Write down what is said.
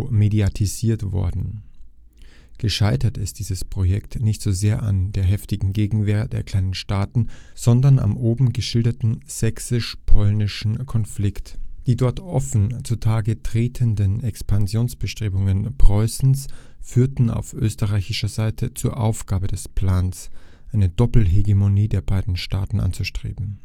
mediatisiert worden. Gescheitert ist dieses Projekt nicht so sehr an der heftigen Gegenwehr der kleinen Staaten, sondern am oben geschilderten sächsisch-polnischen Konflikt. Die dort offen zu Tage tretenden Expansionsbestrebungen Preußens führten auf österreichischer Seite zur Aufgabe des Plans, eine Doppelhegemonie der beiden Staaten anzustreben